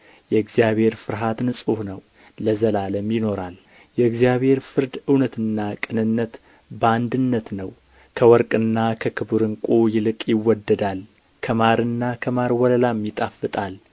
የእግዚአብሔር ፍርሃት ንጹሕ ነው ለዘላለም ይኖራል የእግዚአብሔር ፍርድ እውነትና ቅንነት በአንድነት ነው ከወርቅና ከክቡር ዕንቍ ይልቅ ይወደዳል ከማርና ከማር ወለላም ይጣፍጣል